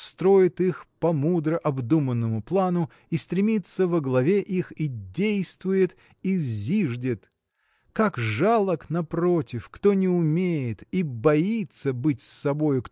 строит их по мудро обдуманному плану и стремится во главе их и действует и зиждет! Как жалок напротив кто не умеет и боится быть с собою